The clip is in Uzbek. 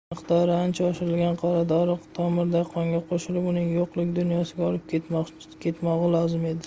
miqdori ancha oshirilgan qoradori tomirdagi qonga qo'shilib uni yo'qlik dunyosiga olib ketmog'i lozim edi